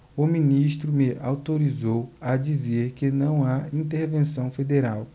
o ministro me autorizou a dizer que não há intervenção federal